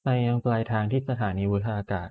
ไปยังปลายทางที่สถานีวุฒากาศ